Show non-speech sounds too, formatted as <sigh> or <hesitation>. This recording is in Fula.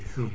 <hesitation> <hesitation>